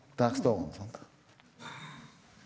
der står hun sant.